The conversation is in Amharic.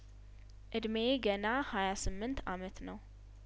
እድሜዬ ገና ሀያ ስምንት አመት ነው